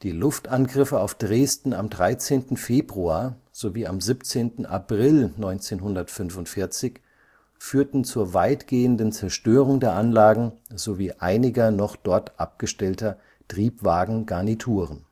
Luftangriffe auf Dresden am 13. Februar sowie am 17. April 1945 führten zur weitgehenden Zerstörung der Anlagen sowie einiger noch dort abgestellter Triebwagengarnituren